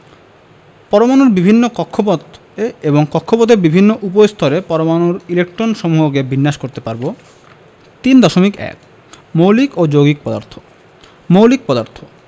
পরমাণুর বিভিন্ন কক্ষপথে এবং কক্ষপথের বিভিন্ন উপস্তরে পরমাণুর ইলেকট্রনসমূহকে বিন্যাস করতে পারব 3.1 মৌলিক ও যৌগিক পদার্থঃ মৌলিক পদার্থ